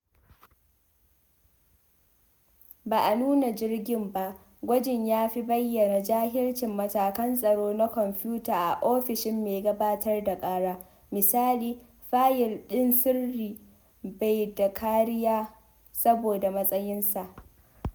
Ba a nuna jirgin ba, gwajin ya fi bayyana jahilcin matakan tsaro na kwamfuta a ofishin mai gabatar da kara, misali fayil ɗin sirri bai da kariya saboda matsayinsa.